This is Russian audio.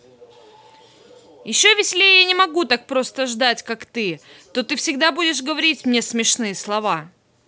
еще веселее я не могу так просто ждать как ты то ты всегда будешь говорить мне смешные слова